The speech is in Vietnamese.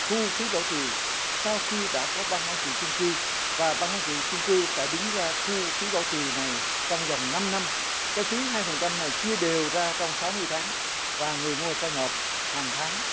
thu phí bảo trì sau khi đã có ban quản trị chung cư và ban quản trị chung cư sẽ đứng ra thu phí bảo trì này trong vòng năm năm cái phí hai phần trăm này chia đều ra trong sáu mươi tám và người mua sẽ nộp hàng tháng